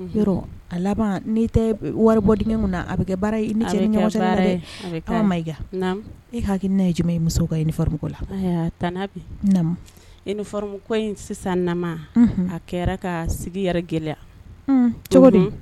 A laban n tɛ wari bɔd min na a bɛ baara i ma e hakiliki ne ye j ye musom la in sisan na a kɛra ka sigi yɛrɛ gɛlɛya cogo